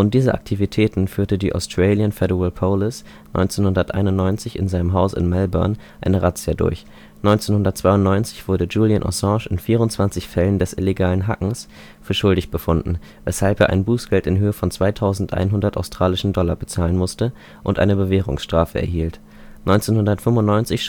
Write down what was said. dieser Aktivitäten führte die „ Australian Federal Police “1991 in seinem Haus in Melbourne eine Razzia durch. 1992 wurde Julian Assange in 24 Fällen des illegalen „ Hackens “für schuldig befunden, weshalb er ein Bußgeld in Höhe von 2100 australischen Dollar bezahlen musste und eine Bewährungsstrafe erhielt. 1995